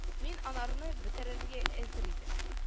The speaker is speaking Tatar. Мин анарны бетеререгә әзер идем